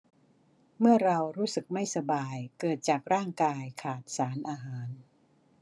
เมื่อเรารู้สึกไม่สบายเกิดจากร่างกายขาดสารอาหาร